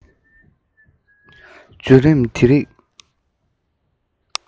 བྱུང རིམ དེ རིགས